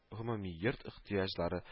Гомумийорт ихтыяҗлары